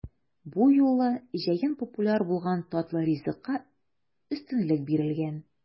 Бу юлы җәен популяр булган татлы ризыкка өстенлек бирелгән.